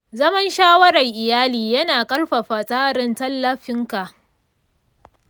zaman shawarar iyali yana ƙarfafa tsarin tallafinka.